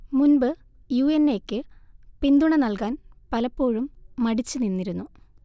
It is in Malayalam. മുൻപ് യു എൻ എ യ്ക്ക് പിന്തുണ നൽകാൻ പലപ്പോഴും മടിച്ച് നിന്നിരുന്നു